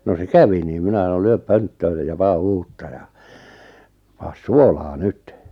no se kävi niin minä sanoin lyö pönttöön se ja pane uutta ja pane suolaa nyt